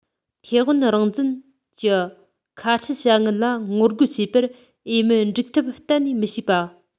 ཐའེ ཝན རང བཙན གྱི ཁ ཕྲལ བྱ ངན ལ ངོ རྒོལ བྱེད པར འོས མིན འགྲིག ཐབས གཏན ནས མི བྱེད པ